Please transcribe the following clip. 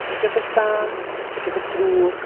Ydi o'n beth da, ydi o'n beth drwg?